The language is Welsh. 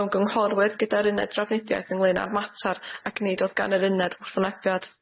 Mewn gynghorwedd gyda'r uned drafnidiaeth ynglŷn â'r mater ac nid o'dd gan yr uned wrthwynebiad.